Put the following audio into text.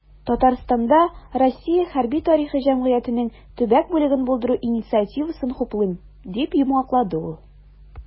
"татарстанда "россия хәрби-тарихи җәмгыяте"нең төбәк бүлеген булдыру инициативасын хуплыйм", - дип йомгаклады ул.